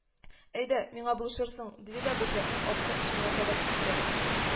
—әйдә, миңа булышырсың,—диде дә буфетның арткы ишегенә таба китте